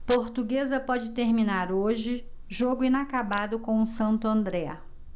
portuguesa pode terminar hoje jogo inacabado com o santo andré